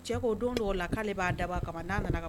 Cɛ ko don' la k'ale b'a daba kama' nana